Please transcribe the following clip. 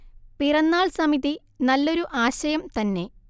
പിറന്നാൾ സമിതി നല്ലൊരു ആശയം തന്നെ